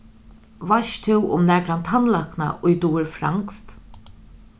veitst tú um nakran tannlækna ið dugir franskt